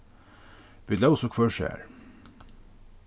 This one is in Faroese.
vit lósu hvør sær